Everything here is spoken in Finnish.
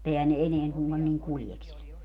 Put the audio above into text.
mutta eihän ne enää suinkaan niin kuljeskelekaan